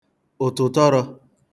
ụ̀tụ̀tọrọ̄